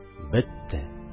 Бетте